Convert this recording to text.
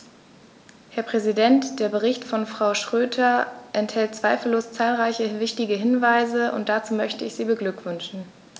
Herr Präsident, der Bericht von Frau Schroedter enthält zweifellos zahlreiche wichtige Hinweise, und dazu möchte ich sie beglückwünschen.